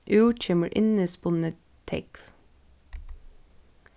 út kemur innispunnið tógv